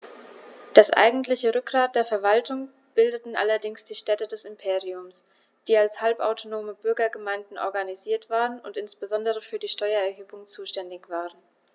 Das eigentliche Rückgrat der Verwaltung bildeten allerdings die Städte des Imperiums, die als halbautonome Bürgergemeinden organisiert waren und insbesondere für die Steuererhebung zuständig waren.